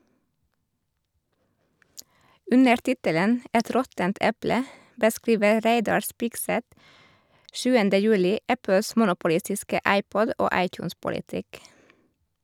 Under tittelen «Et råttent eple» beskriver Reidar Spigseth 7. juli Apples monopolistiske iPod- og iTunes-politikk.